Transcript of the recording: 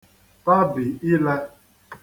tabì ilē